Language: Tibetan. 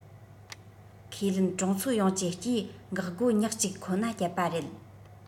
ཁས ལེན གྲོང ཚོ ཡོངས ཀྱི སྤྱིའི འགག སྒོ ཉག གཅིག ཁོ ན སྤྱད པ རེད